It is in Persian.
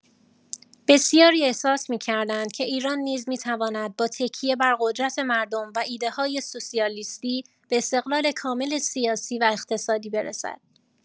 بسیاری احساس می‌کردند که ایران نیز می‌تواند با تکیه بر قدرت مردم و ایده‌های سوسیالیستی، به استقلال کامل سیاسی و اقتصادی برسد.